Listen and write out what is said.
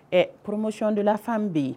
Ɛ poromosiyondelafan bɛ yen